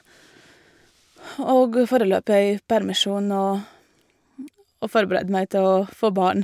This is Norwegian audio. Og foreløpig jeg er i permisjon og og forbereder meg til å få barn.